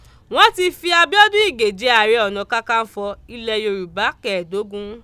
Wọ́n ti fi Abíọ́dún Ìgè jẹ Ààrẹ ọ̀nà kankanfọ̀ ilẹ̀ Yorùbá kẹẹ̀dógún.